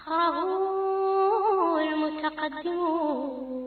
Faama mɔmu